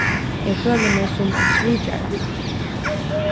eg føli meg sum ein svíkjara